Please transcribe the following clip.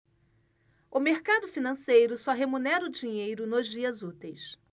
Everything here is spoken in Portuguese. o mercado financeiro só remunera o dinheiro nos dias úteis